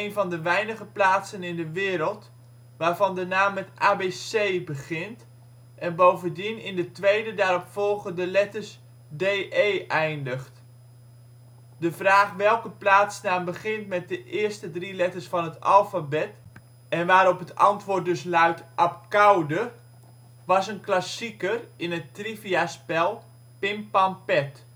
van de weinige plaatsen in de wereld waarvan de naam met ABC begint en bovendien met de twee daaropvolgende letters DE eindigt. De vraag welke plaatsnaam begint met de eerste drie letters van het alfabet, en waarop het antwoord dus luidt " Abcoude ", was een " klassieker " in het trivia-spel Pim-pam-pet